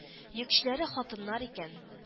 Йөкчеләре хатыннар икән